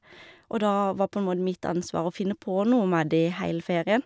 Og da var på en måte mitt ansvar å finne på noe med de heile ferien.